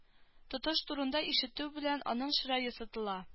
Тотыш турында ишетү белән аның чырае сытыла